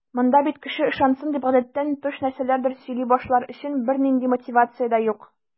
Монда бит кеше ышансын дип, гадәттән тыш нәрсәләрдер сөйли башлар өчен бернинди мотивация дә юк.